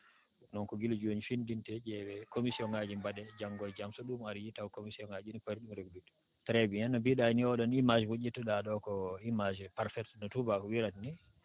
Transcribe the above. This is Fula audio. ɗum noon ko gila jooni finndintee ƴeewee commission ŋaaji mbaɗee janngo e jam so ɗum aroyii taw commission ŋaaji ɗii ne pari ɗum reglude trés bien no mbiiɗaa ni oo ɗoo nii image mo ƴettuɗaa ɗoo ko image parfaite no tuubaako wiirata nii